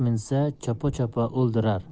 minsa chopa chopa o'ldirar